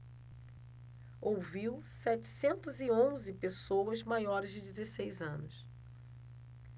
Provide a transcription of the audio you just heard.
ouviu setecentos e onze pessoas maiores de dezesseis anos